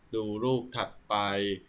ดูรูปถัดไป